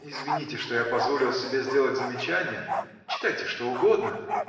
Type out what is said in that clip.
Извините, что я позволил себе сделать замечание. Читайте что угодно.